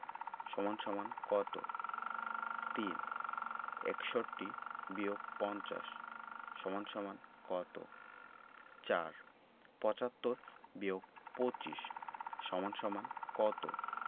= কত ৩ ৬১-৫০ = কত ৪ ৭৫-২৫ = কত